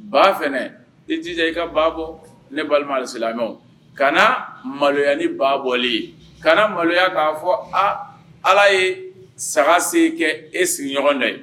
Ba fɛnɛ i jija i ka ba bɔ ne balima alisilamɛw kanaa maloya ni ba bɔli ye kana maloya k'a fɔ aa Ala yee saga se kɛ e sigiɲɔgɔn dɔ ye